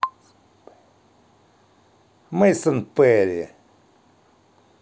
мейсон перри